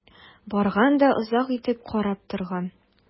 Барган да озак итеп карап торган.